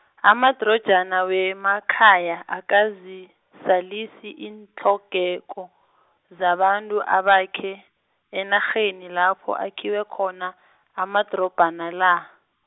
amadrojana wemakhaya akazizalisi, iintlhogeko, zabantu abakhe, enarheni lapho akhiwe khona, amadrobha la.